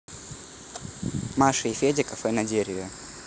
маша и федя кафе на дереве